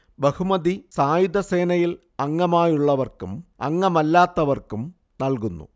ബഹുമതി സായുധസേനയിൽ അംഗമായുള്ളവർക്കും അംഗമല്ലാത്തവർക്കും നൽകുന്നു